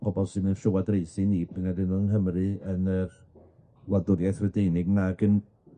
pobol sydd yn llywodraethu ni, pr'un nad 'yn nw yn Nghymru yn yr wladwriaeth Prydeinig nag yn